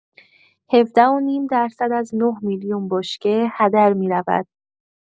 ۱۷ و نیم درصد از ۹ میلیون بشکه هدر می‌رود.